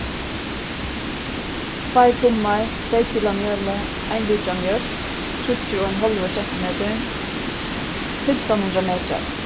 tveir tummar tvey kilo av mjøli ein litur av mjólk tríggir og ein hálvur sentimetur fimtan hundrað metrar